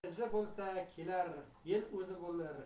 bu yil izi bo'lsa kelar yil o'zi bo'lar